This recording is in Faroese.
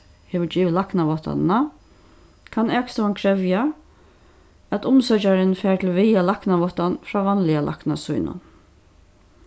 hevur givið læknaváttanina kann akstovan krevja at umsøkjarin fær til vega læknaváttan frá vanliga lækna sínum